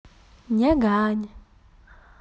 нягань